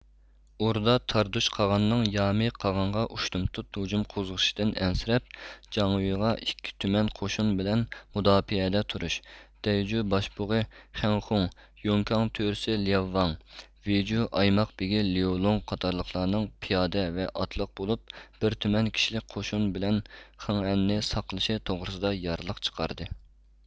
ئوردا تاردۇش قاغاننىڭ يامى قاغانغا ئۇشتۇمتۇت ھۇجۇم قوزغىشىدىن ئەنسىرەپ جاڭۋغا ئىككى تۈمەن قوشۇن بىلەن مۇداپىئەدە تۇرۇش دەيجۇ باشبۇغى خەنخوڭ يوڭكاڭ تۆرىسى لىياۋۋاڭ ۋېيجۇۋ ئايماق بېگى ليۇلوڭ قاتارلىقلارنىڭ پىيادە ۋە ئاتلىق بولۇپ بىر تۈمەن كىشىلىك قوشۇن بىلەن خېڭئەننى ساقلىشى توغرىسىدا يارلىق چىقاردى